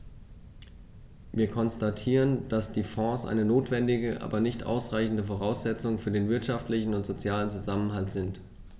Wir konstatieren, dass die Fonds eine notwendige, aber nicht ausreichende Voraussetzung für den wirtschaftlichen und sozialen Zusammenhalt sind.